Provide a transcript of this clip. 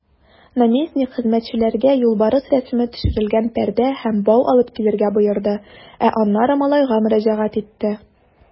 Наместник хезмәтчеләргә юлбарыс рәсеме төшерелгән пәрдә һәм бау алып килергә боерды, ә аннары малайга мөрәҗәгать итте.